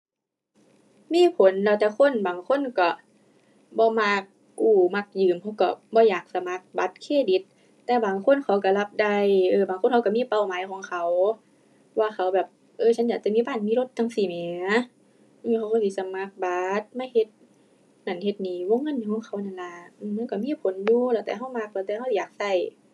มีผล แล้วแต่คน บางคนก็บ่มักกู้มักยืม เพิ่นก็บ่อยากสมัครบัตรเครดิต แต่บางคนเขาก็รับได้ เออ บางคนเขาก็มีเป้าหมายของเขา ว่าเขาแบบ เออ ฉันอยากจะมีบ้าน มีรถ จั่งซี้แหม อย่างนี้เขาก็สิสมัครบัตรมาเฮ็ดนั้นเฮ็ดนี้ วงเงินหนี้ของเขานั่นล่ะ อือ มันก็มีผลอยู่ แล้วแต่ก็มัก แล้วก็สิอยากก็